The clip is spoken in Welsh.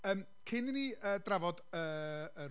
Yym. Cyn i ni yy, drafod yy, yr...